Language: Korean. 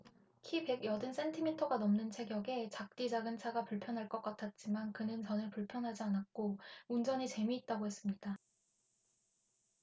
키 백 여든 센티미터가 넘는 체격에 작디 작은 차가 불편할 것 같았지만 그는 전혀 불편하지 않고 운전이 재미있다고 했습니다